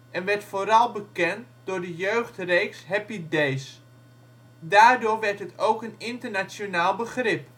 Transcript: en werd vooral bekend door de jeugdreeks Happy Days. Daardoor werd het ook een internationaal begrip